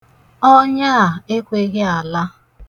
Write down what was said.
Ọnyịa a ekweghị ala.